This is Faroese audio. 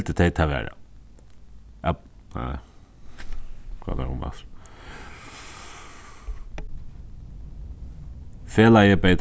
hildu tey tað vara felagið beyð